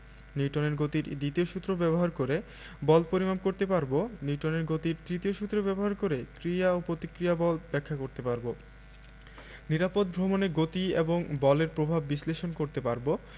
নিউটনের গতির দ্বিতীয় সূত্র ব্যবহার করে বল পরিমাপ করতে পারব নিউটনের গতির তৃতীয় সূত্র ব্যবহার করে ক্রিয়া ও প্রতিক্রিয়া বল ব্যাখ্যা করতে পারব নিরাপদ ভ্রমণে গতি এবং বলের প্রভাব বিশ্লেষণ করতে পারব